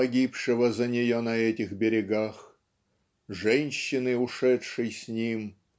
погибшего за нее на этих берегах женщины ушедшей с ним